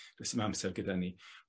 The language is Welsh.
Do's dim amser gyda ni.